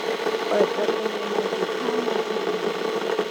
เปิดประตูในอีกห้านาที